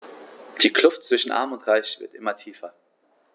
Die Kluft zwischen Arm und Reich wird immer tiefer.